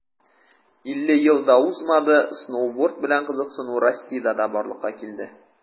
50 ел да узмады, сноуборд белән кызыксыну россиядә дә барлыкка килде.